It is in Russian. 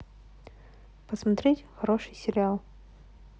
посмотреть хороший сериал